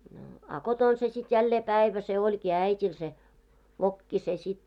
no a kotona se sitten jälleen päivä se olikin äidillä se vokki se sitten